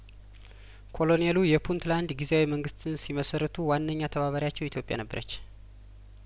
ኮሎኔሉ የፑንትላንድ ጊዜያዊ መንግስትን ሲመሰርቱ ዋነኛ ተባባሪያቸው ኢትዮጵያ ነበረች